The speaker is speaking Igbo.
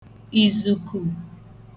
ìzùkù